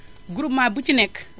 groupement bu ci nekk